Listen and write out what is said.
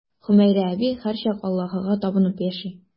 Хөмәйрә әби һәрчак Аллаһыга табынып яши.